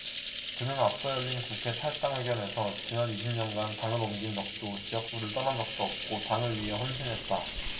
그는 앞서 열린 국회 탈당 회견에서 지난 이십 년간 당을 옮긴 적도 지역구를 떠난 적도 없고 당을 위해 헌신했다